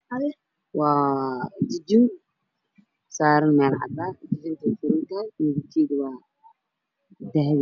Waa jijin saaran meel cadaan ah agteeda waxaa yaalo miis kalarkiisu yahay dahabi